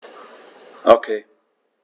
Okay.